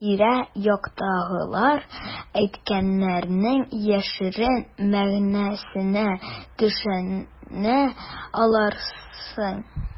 Тирә-яктагылар әйткәннәрнең яшерен мәгънәсенә төшенә алырсың.